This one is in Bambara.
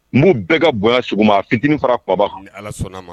N b' bɛɛ ka bonya sugu ma fitinin fara bababa fɔ ala sɔnna ma